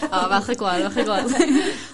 O falch o'i glywad falch i glywad.